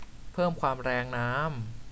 เพิ่มความแรงน้ำ